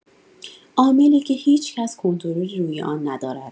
عاملی که هیچ‌کس کنترلی روی آن ندارد.